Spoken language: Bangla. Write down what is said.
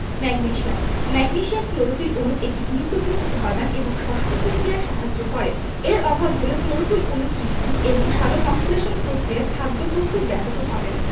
ম্যাগনেসিয়াম ম্যাগনেসিয়াম ক্লোরোফিল অণুর একটি গুরুত্বপুর্ণ উপাদান এবং শ্বসন প্রক্রিয়ায় সাহায্য করে এর অভাব হলে ক্লোরোফিল অণু সৃষ্টি এবং সালোকসংশ্লেষণ প্রক্রিয়ায় খাদ্য প্রস্তুত ব্যাহত হবে